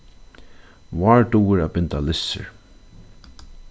vár dugir at binda lissur